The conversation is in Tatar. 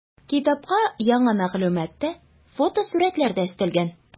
Китапка яңа мәгълүмат та, фотосурәтләр дә өстәлгән.